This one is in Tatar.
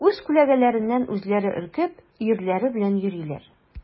Үз күләгәләреннән үзләре өркеп, өерләре белән йөриләр.